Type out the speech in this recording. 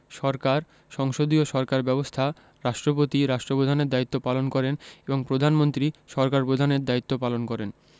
সরকারঃ সংসদীয় সরকার ব্যবস্থা রাষ্ট্রপতি রাষ্ট্রপ্রধানের দায়িত্ব পালন করেন এবং প্রধানমন্ত্রী সরকার প্রধানের দায়িত্ব পালন করেন